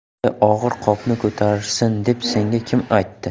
bunday og'ir qopni ko'tarsin deb senga kim aytdi